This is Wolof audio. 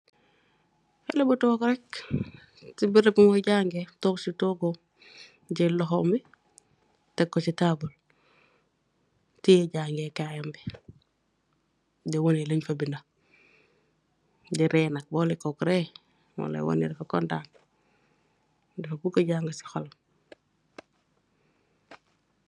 Halle bu tork rek, si berep bumoy jangee, tork si togoom, jel lohoom bi tek ko si table, tiyeeh jangee kaayam bi, di waye linfa binda, di ree nak, bolleko ree, molay wan neh dafa kontaan, dafa buga janga si kholam.